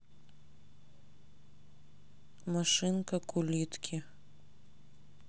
машинка к улитке